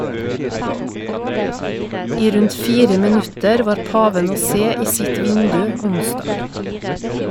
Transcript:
I rundt fire minutter var paven å se i sitt vindu onsdag.